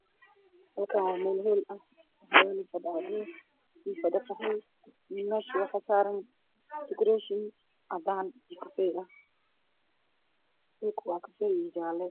Halkaan waa meel hool ah waxaa yaalo fadhi cadeys iyo fadhi qaxwi ah, miiska waxaa saaran dikorooshin cadaan iyo kafay ah, dhulka waa kafay.